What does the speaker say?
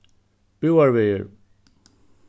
búðarvegur